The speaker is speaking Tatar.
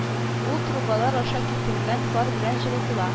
Ул трубалар аша китерелгән пар белән җылытыла